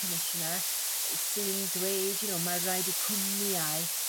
commissioner sy'n dweud you know ma' raid i cwmnïau